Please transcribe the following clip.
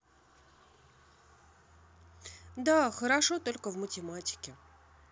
да хорошо только в математике